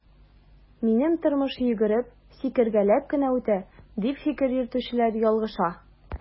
Минем тормыш йөгереп, сикергәләп кенә үтә, дип фикер йөртүчеләр ялгыша.